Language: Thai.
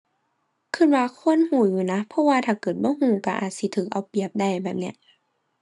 คิดว่าควรคิดอยู่นะ เพราะว่าถ้าเกิดบ่คิดคิดอาจสิคิดเอาเปรียบได้ แบบเนี้ย